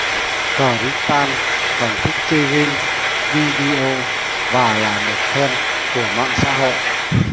christian còn thích chơi game video và là một fan của mạng xã hội